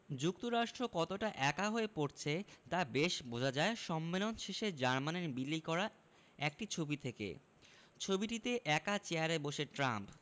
যুক্তরাষ্ট্র কতটা একা হয়ে পড়ছে তা বেশ বোঝা যায় সম্মেলন শেষে জার্মানির বিলি করা একটি ছবি থেকে ছবিটিতে একা চেয়ারে বসে ট্রাম্প